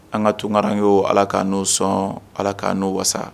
An ka tunkarankɛw allah k' an'u sɔn allah k'an'u wasa.